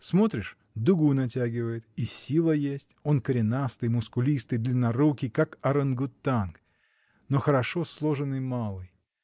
Смотришь, дугу натягивает, и сила есть: он коренастый, мускулистый, длиннорукий, как орангутанг, но хорошо сложенный малый.